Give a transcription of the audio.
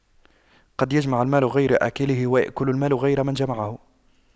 قد يجمع المال غير آكله ويأكل المال غير من جمعه